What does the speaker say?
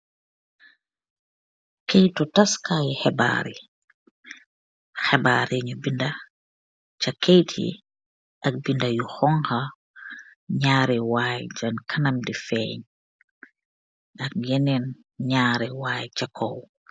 Kayiitu tass Kayu xibaar yi, xibaar yi nyu binda cha kayiiti ak binda yu hongha. Nyari waye seen kanam di feng ak Yeneen nyari waye cha kaw.